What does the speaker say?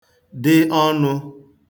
dị̀ ọnụ